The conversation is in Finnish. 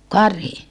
karhi